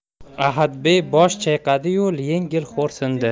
ahadbey bosh chayqaydi yu yengil xo'rsindi